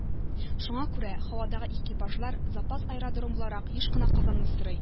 Шуңа күрә һавадагы экипажлар запас аэродром буларак еш кына Казанны сорый